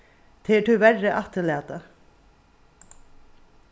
tað er tíverri afturlatið